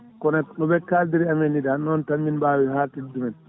kono noɓe kallidiri e amen ni dal noon tan min mbawi haltidde ɗumen